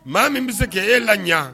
Maa min bɛ se k'e laɲɛ